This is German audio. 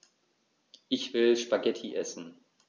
Ich will Spaghetti essen.